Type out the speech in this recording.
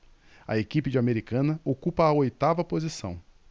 a equipe de americana ocupa a oitava posição